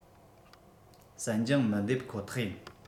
སྲན ལྗང མི འདེབ ཁོ ཐག ཡིན